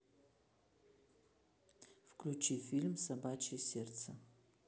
включи фильм собачье сердце